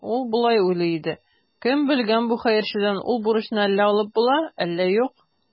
Ул болай уйлый иде: «Кем белгән, бу хәерчедән ул бурычны әллә алып була, әллә юк".